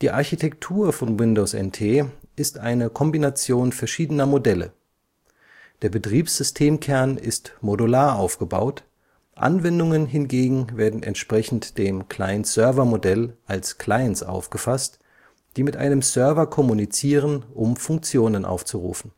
Architektur von Windows NT ist eine Kombination verschiedener Modelle: der Betriebssystemkern ist modular aufgebaut, Anwendungen hingegen werden entsprechend dem Client-Server-Modell als Clients aufgefasst, die mit einem Server kommunizieren, um Funktionen aufzurufen